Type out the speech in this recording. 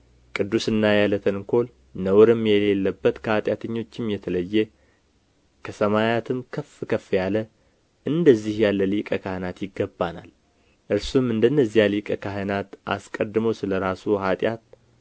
ቅዱስና ያለ ተንኮል ነውርም የሌለበት ከኃጢአተኞችም የተለየ ከሰማያትም ከፍ ከፍ ያለ እንደዚህ ያለ ሊቀ ካህናት ይገባልና እርሱም እንደነዚያ ሊቃነ ካህናት አስቀድሞ ስለ ራሱ ኃጢአት